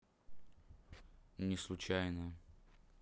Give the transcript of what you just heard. не случайно